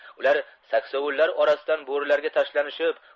ular saksovullar orasidan bo'rilarga tashlanishib